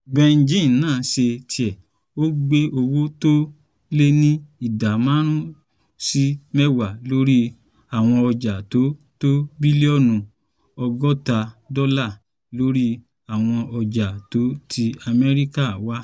Beijing náà ṣe tiẹ̀. Ó gbé owó tó lé ní ìdá márùn-ún sí mẹ́wàá lorí àwọn ọjà to tó bílíọ́nù 60 dọ́là lórí àwọn ọjà tó ti Amẹ́ríkà wá.